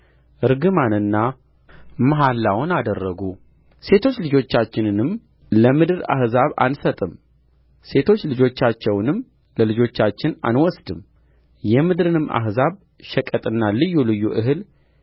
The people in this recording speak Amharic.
እርግማንና መሐላውን አደረጉ ሴቶች ልጆቻችንንም ለምድር አሕዛብ አንሰጥም ሴቶች ልጆቻቸውንም ለልጆቻችን አንወስድም የምድርን አሕዛብ ሸቀጥና ልዩ ልዩ እህል